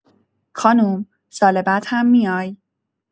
خانم، سال بعد هم میای؟